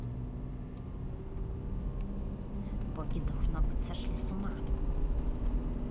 боги должно быть сошли с ума